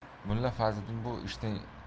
mulla fazliddin bu